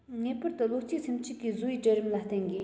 ངེས པར དུ བློ གཅིག སེམས གཅིག གིས བཟོ པའི གྲལ རིམ ལ བརྟེན དགོས